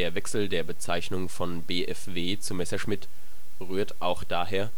Wechsel der Bezeichnung von BFW zu Messerschmitt rührt auch daher